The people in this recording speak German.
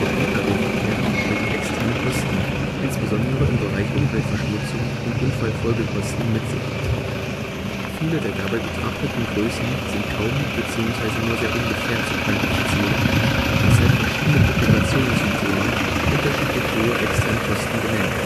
Pkw-Verkehr bringt externe Kosten, insbesondere im Bereich Umweltverschmutzung und Unfallfolgekosten, mit sich. Viele der dabei betrachteten Größen sind kaum bzw. nur sehr ungefähr zu quantifizieren, weshalb verschiedene Publikationen zum Thema unterschiedlich hohe externe Kosten benennen